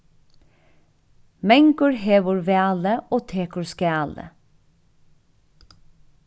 mangur hevur valið og tekur skalið